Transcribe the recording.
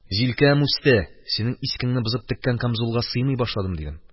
Җилкәм үсте, синең искеңнән бозып теккән камзулга сыймый башладым, дидем.